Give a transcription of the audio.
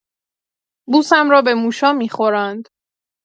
بوسم را به موشا می‌خوراند